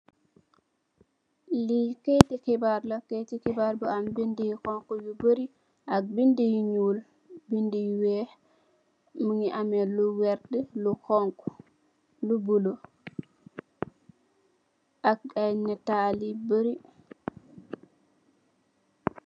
Li keyti xibaar la keyti xibaar bu am bindu yu xonxo yu barri ak bindu yu ñuul ak bindu yu weex, mungi ame luu werta ,lu xonxo, lu bulo ak ay neetal yu barri.